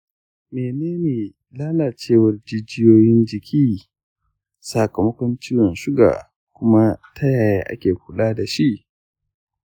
menene lalacewar jijiyoyin jiki sakamakon ciwon suga kuma ta yaya ake kula da shi?